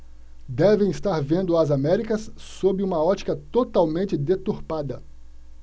devem estar vendo as américas sob uma ótica totalmente deturpada